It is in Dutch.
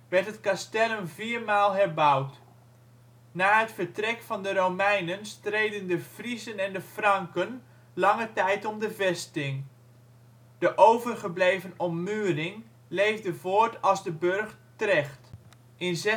werd het castellum vier maal herbouwd. Na het vertrek van de Romeinen streden de Friezen en de Franken lange tijd om de vesting. De overgebleven ommuring leefde voort als de burcht Trecht. Regels uit Melis Stokes Rijmkroniek, waarin de komst van Willibrord naar Utrecht (Wiltenborch) wordt beschreven In